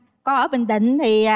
con ở bình định thì